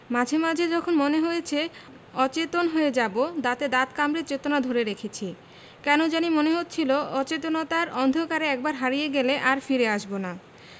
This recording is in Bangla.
মাঝে মাঝে যখন মনে হয়েছে অচেতন হয়ে যাবো দাঁতে দাঁত কামড়ে চেতনা ধরে রেখেছি কেন জানি মনে হচ্ছিলো অচেতনতার অন্ধকারে একবার হারিয়ে গেলে আর ফিরে আসবো না